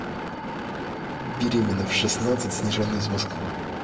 беременна в шестнадцать снежана из москвы